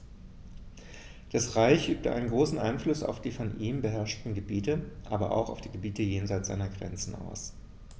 Das Reich übte einen großen Einfluss auf die von ihm beherrschten Gebiete, aber auch auf die Gebiete jenseits seiner Grenzen aus.